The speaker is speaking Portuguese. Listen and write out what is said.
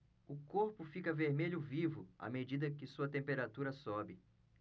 o corpo fica vermelho vivo à medida que sua temperatura sobe